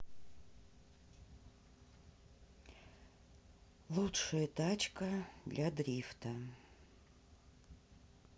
лучшая тачка для дрифта